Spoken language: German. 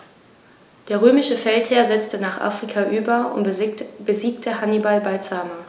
Der römische Feldherr setzte nach Afrika über und besiegte Hannibal bei Zama.